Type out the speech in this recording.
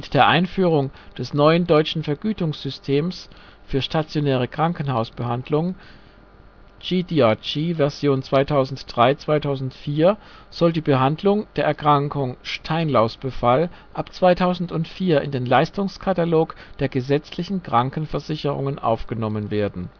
der Einführung des neuen deutschen Vergütungssystems für stationäre Krankenhausbehandlung (G-DRG Version 2003/2004) soll die Behandlung der Erkrankung " Steinlausbefall " ab 2004 in den Leistungskatalog der gesetzlichen Krankenversicherung aufgenommen werden